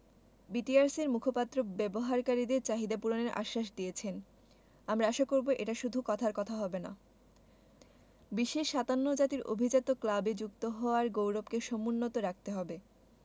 বিটিআরসির মুখপাত্র ব্যবহারকারীদের চাহিদা পূরণের আশ্বাস দিয়েছেন আমরা আশা করব এটা শুধু কথার কথা হবে না বিশ্বের ৫৭ জাতির অভিজাত ক্লাবে যুক্ত হওয়ার গৌরবকে সমুন্নত রাখতে হবে